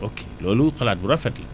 ok loolu xalaat bu rafet la